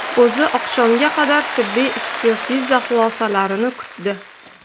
o'zi oqshomga qadar tibbiy ekspertiza xulosalarini kutdi